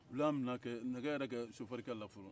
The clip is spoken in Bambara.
olu y'an minɛ ka nɛgɛ yɛrɛ kɛ mobilibolila la fɔlɔ